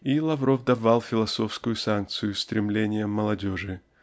И Лавров давал философскую санкцию стремлениям молодежи